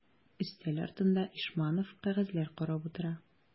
Өстәл артында Ишманов кәгазьләр карап утыра.